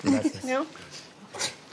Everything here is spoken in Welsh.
ti'n iawn?